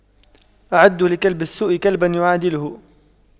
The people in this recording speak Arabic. أعدّوا لكلب السوء كلبا يعادله